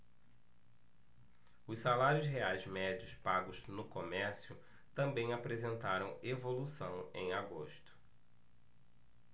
os salários reais médios pagos no comércio também apresentaram evolução em agosto